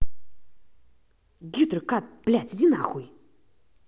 guitar cut блядь иди нахуй